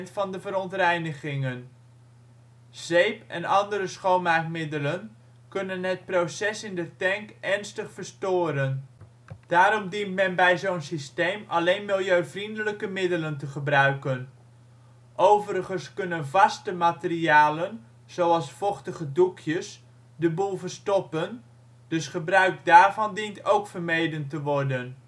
van de verontreinigingen. Zeep en andere schoonmaakmiddelen kunnen het proces in de tank ernstig verstoren. Daarom dient men bij zo 'n systeem alleen milieuvriendelijke middelen te gebruiken. Overigens kunnen vaste materialen zoals vochtige doekjes de boel verstoppen, dus gebruik daarvan dient ook vermeden te worden